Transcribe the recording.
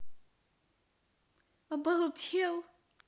обалдел